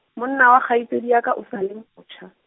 monna wa kgaitsedi ya ka o sa le motjha.